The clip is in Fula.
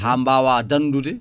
ha mbawa dandude